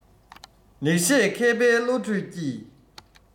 ལེགས བཤད མཁས པའི བློ གྲོས ཀྱིས